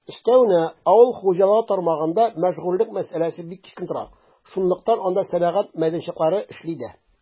Өстәвенә, авыл хуҗалыгы тармагында мәшгульлек мәсьәләсе бик кискен тора, шунлыктан анда сәнәгать мәйданчыклары эшли дә.